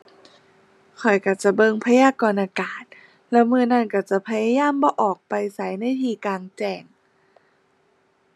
ข้อยก็จะเบิ่งพยากรณ์อากาศ แล้วมื้อนั้นก็จะพยายามบ่ออกไปไสในที่กลางแจ้ง